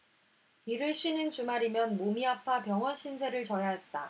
일을 쉬는 주말이면 몸이 아파 병원 신세를 져야 했다